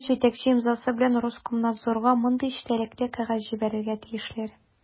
Алар җитәкче имзасы белән Роскомнадзорга мондый эчтәлекле кәгазь җибәрергә тиешләр: